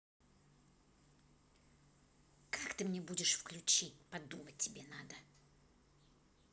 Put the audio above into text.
как ты мне будешь включи подумать тебе надо